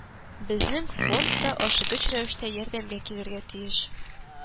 Безнең фонд та ашыгыч рәвештә ярдәмгә килергә тиеш